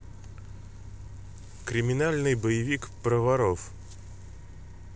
криминальный боевик про воров